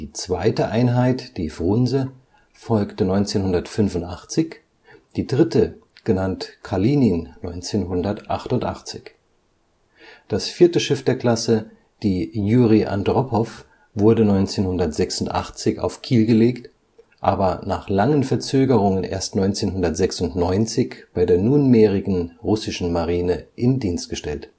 zweite Einheit, die Frunse folgte 1985, die dritte, genannt Kalinin 1988. Das vierte Schiff der Klasse, die Juri Andropow, wurde 1986 auf Kiel gelegt, aber nach langen Verzögerungen erst 1996 bei der nunmehrigen russischen Marine in Dienst gestellt